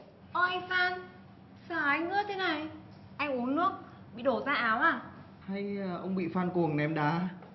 ơ anh phan sao áo anh ướt thế này anh uống nước bị đổ ra áo à hay là ông bị fan cuồng ném đá